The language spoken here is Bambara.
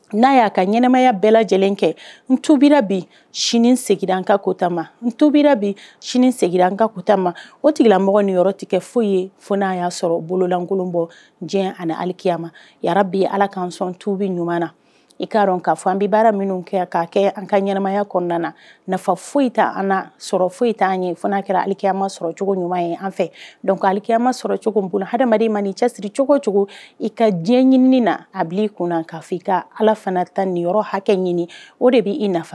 N'a y'a ka ɲɛnaɛnɛmaya bɛɛ lajɛlen kɛ n tubi sini segka kotama n tubi seginna ka kotama o tigilamɔgɔ ni yɔrɔ tigɛ kɛ foyi ye fo n'a y'a sɔrɔ bololankolon bɔ diɲɛ ani alikiya ma ya bɛ ala kaan sɔn tubi ɲuman na i k kaa dɔn k kaa fɔ an bɛ baara minnu kɛ ka'a kɛ an ka ɲmaya kɔnɔna na nafa foyi an sɔrɔ foyi an ye fo n'a kɛra alikiya ma sɔrɔcogo ɲuman ye an fɛ dɔn alikiyama sɔrɔcogo bolo adamadama man ii cɛ siri cogo cogo i ka diɲɛ ɲinin na a bila i k kaa fɔ i ka ala fana ta nin yɔrɔ hakɛ ɲini o de bɛ i nafa